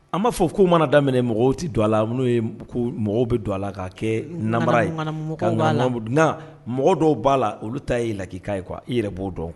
A b'a fɔ ko mana daminɛ mɔgɔ tɛ don a la n'o ye ko mɔgɔw bɛ don a la ka kɛ nara ye mɔgɔ dɔw b'a la olu ta y'i la k'i kaa ye kuwa i yɛrɛ b'o dɔn